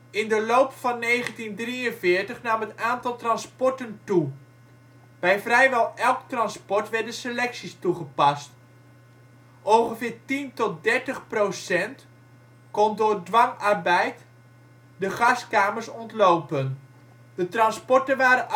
In de loop van 1943 nam het aantal transporten toe. Bij vrijwel elk transport werden selecties toegepast: ongeveer tien tot dertig procent kon door dwangarbeid de gaskamers ontlopen. De transporten waren